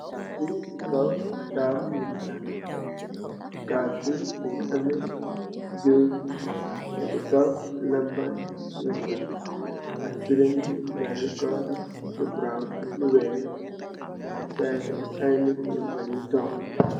Caas bi ci kaw taabl nung fa, caas bi mungi ameh juice. Ci kaw lampa nung fa ak celing guy nung ko def lu brown ak lu weeh. Site bi ay nit nung fa nu toog.